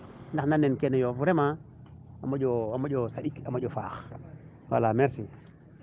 ndax nan nen kene yo vraiment a moƴo saɗik a moƴo faax wala merci